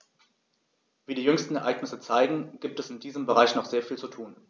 Wie die jüngsten Ereignisse zeigen, gibt es in diesem Bereich noch sehr viel zu tun.